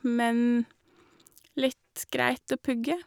Men litt greit å pugge.